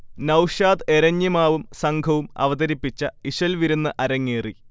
നൗഷാദ് എരഞ്ഞിമാവും സംഘവും അവതരിപ്പിച്ച ഇശൽവിരുന്ന് അരങ്ങേറി